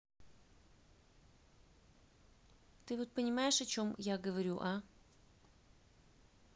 ты вот понимаешь о чем я говорю а